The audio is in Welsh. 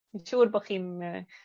Ma'n siŵr bo' chi'n yy...